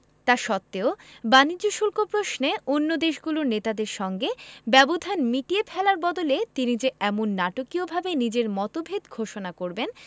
তা সত্ত্বেও বাণিজ্য শুল্ক প্রশ্নে অন্য দেশগুলোর নেতাদের সঙ্গে ব্যবধান মিটিয়ে ফেলার বদলে তিনি যে এমন নাটকীয়ভাবে নিজের মতভেদ ঘোষণা করবেন